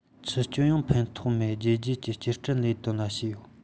ཆུ སྐྱོན ཡང ཕན ཐོགས མེད བརྒྱད བརྒྱད ཀྱི བསྐྱར སྐྲུན ལས དོན ལ བྱས ཡོད